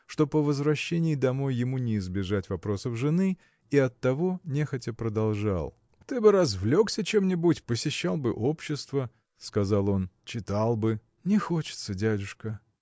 что по возвращении домой ему не избежать вопросов жены и оттого нехотя продолжал – Ты бы развлекся чем-нибудь посещал бы общество – сказал он – читал бы. – Не хочется, дядюшка.